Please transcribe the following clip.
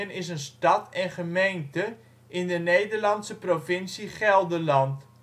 is een stad en gemeente in de Nederlandse provincie Gelderland